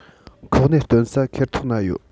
ཁོག ནད སྟོན ས ཁེར ཐོག ན ཡོད